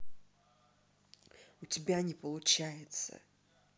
у тебя не получается